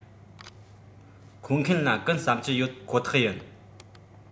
མཁོ མཁན ལ གུན གསབ ཀྱི ཡོད ཁོ ཐག ཡིན